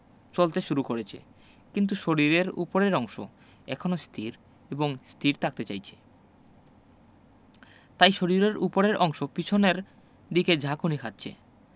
চলতে শুরু করেছে কিন্তু শরীরের ওপরের অংশ এখনো স্থির এবং স্থির থাকতে চাইছে তাই শরীরের ওপরের অংশ পিছনের দিকে ঝাঁকুনি খাচ্ছে